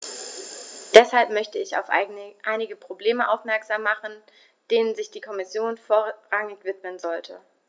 Deshalb möchte ich auf einige Probleme aufmerksam machen, denen sich die Kommission vorrangig widmen sollte.